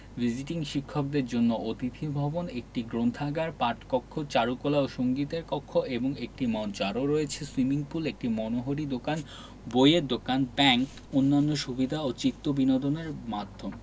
visiting শিক্ষকদের জন্য অতিথি ভবন একটি গ্রন্থাগার পাঠকক্ষ চারুকলা ও সঙ্গীতের কক্ষ এবং একটি মঞ্চ আরও রয়েছে সুইমিং পুল একটি মনোহারী দোকান বইয়ের দোকান ব্যাংক অন্যান্য সুবিধা ও চিত্তবিনোদনের মাধ্যম